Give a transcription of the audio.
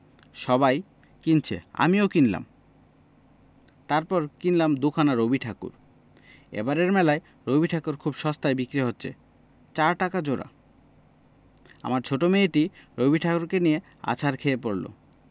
সবাই কিনছে আমিও কিনলাম তারপর কিনলাম দু'খানা রবিঠাকুর এবারের মেলায় রবিঠাকুর খুব সস্তায় বিক্রি হচ্ছে চার টাকা জোড়া আমার ছোট মেয়েটি রবিঠাকুরকে নিয়ে আছাড় খেয়ে পড়ল